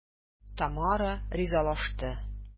Тамара ризалашты.